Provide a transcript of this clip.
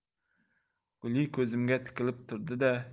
guli ko'zimga tikilib turdi da